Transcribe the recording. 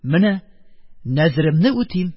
Менә нәзеремне үтим.